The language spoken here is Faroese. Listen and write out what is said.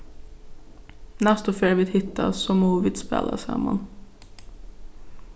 næstu ferð vit hittast so mugu vit spæla saman